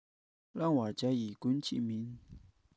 བླང བར བྱ ཡི གུས ཕྱིར མིན